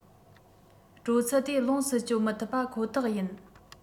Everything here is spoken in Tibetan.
དྲོད ཚད དེ ལོངས སུ སྤྱོད མི ཐུབ པ ཁོ ཐག ཡིན